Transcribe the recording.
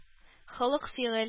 Холык-фигыль